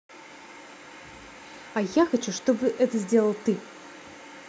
а я хочу чтобы это сделал ты